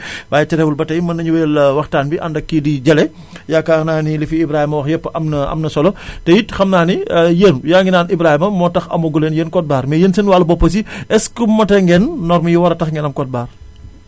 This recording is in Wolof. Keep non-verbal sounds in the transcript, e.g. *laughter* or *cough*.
*breath* waaye terewul ba tey mën nañu wéyal waxtaan bi ànd ak kii di Jalle yaakaar naa ni li fi Ibrahima wax yépp am na am na solo *breath* te it xam naa ni *hesitation* yéen yaa ngi naan Ibrahima moo tax amagu leen yéen code barre mais yéen seen wàllu bopp aussi *breath* est ce que mate ngeen normes yi war a tax ngeen am code barre